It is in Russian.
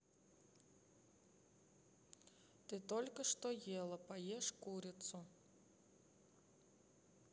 ты только что ела поешь курицу